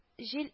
Җил